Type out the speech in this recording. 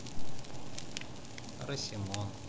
расемон